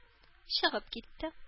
Чыгып китте